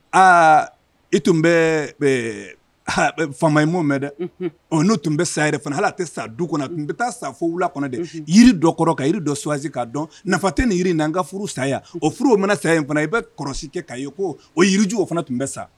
Aa e tun bɛ faamayimo mɛn dɛ ɔ n'o tun bɛ saya yɛrɛ fana hali a tɛ sa du kɔnɔ tun bɛ taa safo wula kɔnɔ dɛ yiri dɔ kɔrɔ ka jiri dɔ swasi k kaa dɔn nafa tɛ nin yiri na n ka furu saya o furu mana saya in fana i bɛ kɔlɔsi kɛ'a ye ko o yiriju o fana tun bɛ sa